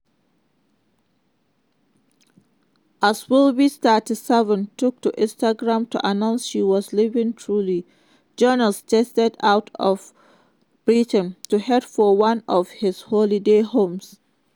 As Willoughby, 37, took to Instagram to announce she was leaving Truly, Jones jetted out of Britain to head for one of his holiday homes.